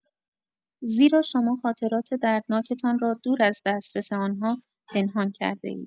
زیرا شما خاطرات دردناکتان را دور از دسترس آن‌ها پنهان کرده‌اید.